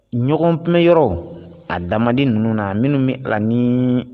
Ɲɔgɔn tunyɔrɔ a dama di ninnu na minnu bɛ ala ni